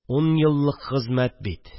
Ун еллык хезмәт бит